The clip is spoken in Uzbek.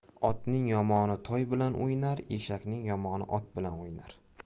otning yomoni toy bilan o'ynar eshakning yomoni ot bilan o'ynar